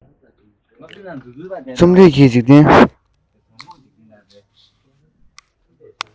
རྩོམ རིག གི འཇིག རྟེན